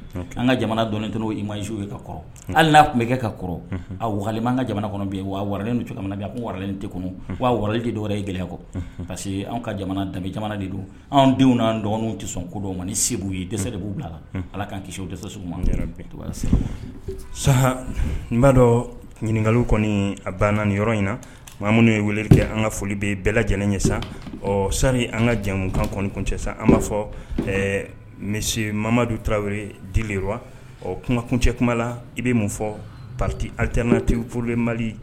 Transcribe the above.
An ka jamana dɔnnit' i mao ye ka kɔrɔ hali n' tun bɛ kɛ ka kɔrɔ a wa an ka wa waralen cogo waralen kɔnɔ waga wara dɔw wɛrɛ gɛlɛya kɔ parce que anw ka jamana danbe jamana de don anw denw dɔgɔninw tɛ sɔn ko se dɛsɛ de b'u bila la ala k'an ki o dɛsɛ kɛra sa n b'a dɔn ŋka kɔni a banna ni yɔrɔ in namu n' ye wele kɛ an ka foli bɛ bɛɛ lajɛlen ye san ɔ sari an ka jankunkan kɔni kun cɛ san an b'a fɔ ɛɛ misi mamadu tarawele di wa ɔ kunkun cɛ kuma la i bɛ mun fɔ pati alitr teorobi mali